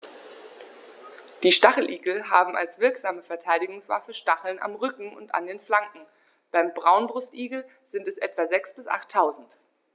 Die Stacheligel haben als wirksame Verteidigungswaffe Stacheln am Rücken und an den Flanken (beim Braunbrustigel sind es etwa sechs- bis achttausend).